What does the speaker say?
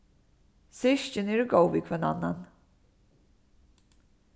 systkin eru góð við hvønn annan